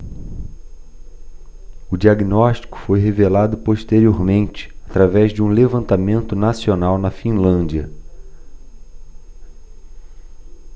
o diagnóstico foi revelado posteriormente através de um levantamento nacional na finlândia